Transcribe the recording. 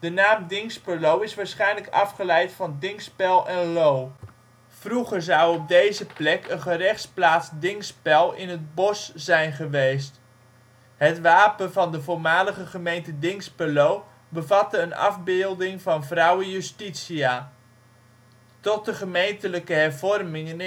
naam Dinxperlo is waarschijnlijk afgeleid van dingspel en loo. Vroeger zou op deze plek een gerechtsplaats dingspel in het bos (loo) zijn geweest. Het wapen van de voormalige gemeente Dinxperlo bevatte een afbeelding van vrouwe Justitia. Tot de gemeentelijke hervormingen van 1811